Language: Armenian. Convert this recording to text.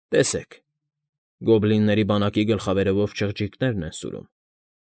Տեսեք։ Գոբլինների բանակի գլխավերևով չղջիկներ են սուրում։